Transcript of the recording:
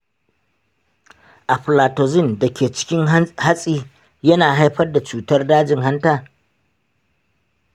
aflatoxin da ke cikin hatsi yana haifar da cutar dajin hanta?